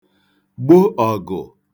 gbo ọ̀gụ̀